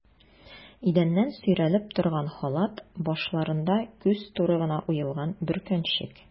Идәннән сөйрәлеп торган халат, башларында күз туры гына уелган бөркәнчек.